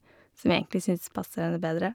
Som vi egentlig syns passer henne bedre.